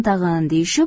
tag'in deyishib